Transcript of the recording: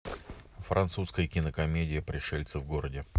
французская кинокомедия пришельцы в городе